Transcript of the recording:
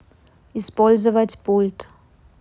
использовать пульт